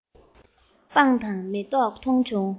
སྤང དང མེ ཏོག མཐོང བྱུང